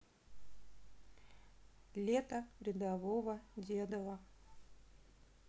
лето рядового дедова